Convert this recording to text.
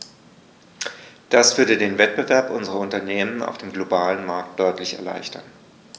Das würde den Wettbewerb unserer Unternehmen auf dem globalen Markt deutlich erleichtern.